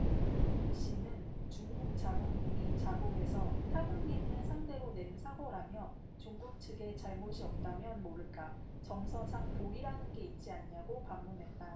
이씨는 중국 자국민이 자국에서 타국민을 상대로 낸 사고라며 중국 측의 잘못이 없다면 모를까 정서상 도의라는 게 있지 않냐고 반문했다